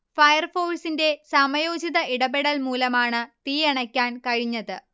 ഫയർഫോഴ്സിെൻറ സമയോചിത ഇടപെടൽ മൂലമാണ് തീയണക്കാൻ കഴിഞ്ഞത്